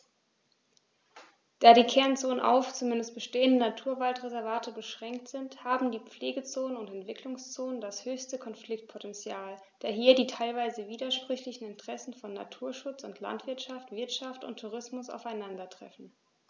Da die Kernzonen auf – zumeist bestehende – Naturwaldreservate beschränkt sind, haben die Pflegezonen und Entwicklungszonen das höchste Konfliktpotential, da hier die teilweise widersprüchlichen Interessen von Naturschutz und Landwirtschaft, Wirtschaft und Tourismus aufeinandertreffen.